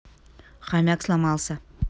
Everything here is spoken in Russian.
хомяк сломался